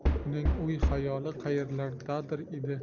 uning o'y xayoli qayerlardadir edi